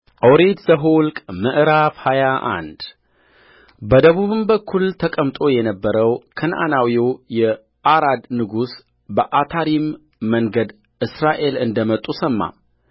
ኦሪት ዘኍልቍ ምዕራፍ ሃያ አንድ በደቡብም በኩል ተቀምጦ የነበረው ከነዓናዊው የዓራድ ንጉሥ በአታሪም መንገድ እስራኤል እንደ መጡ ሰማ